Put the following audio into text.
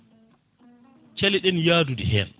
caliɗen yaadude hen